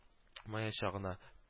Мыячагына